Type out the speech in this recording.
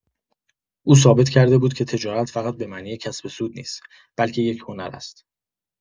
او ثابت کرده بود که تجارت فقط به معنی کسب سود نیست، بلکه یک هنر است.